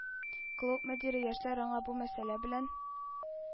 Клуб мөдире, яшьләр аңа бу мәсьәлә белән